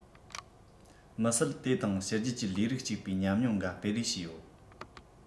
མི སྲིད དེ དང ཕྱི རྒྱལ གྱི ལས རིགས གཅིག པའི ཉམས མྱོང འགའ སྤེལ རེས བྱས ཡོད